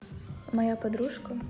моя подружка